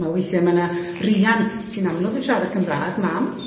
Ch'mo', weithie ma' 'na riant sy'n amlwg yn siarad Cymra'g, mam.